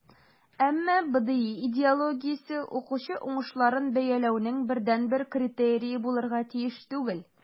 Әмма БДИ идеологиясе укучы уңышларын бәяләүнең бердәнбер критерие булырга тиеш түгел.